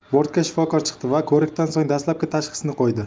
bortga shifokor chiqdi va u ko'rikdan so'ng dastlabki tashxisni qo'ydi